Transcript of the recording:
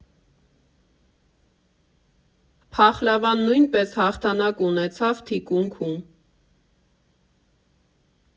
Փախլավան նույնպես հաղթանակ ունեցավ թիկունքում։